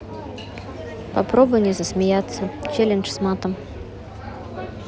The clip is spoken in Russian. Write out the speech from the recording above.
попробуй не засмеяться челлендж с матом